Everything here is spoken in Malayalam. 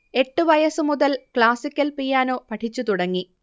എട്ട് വയസ് മുതൽ ക്ലാസിക്കൽ പിയാനോ പഠിച്ച് തുടങ്ങി